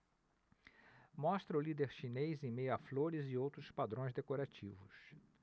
mostra o líder chinês em meio a flores e outros padrões decorativos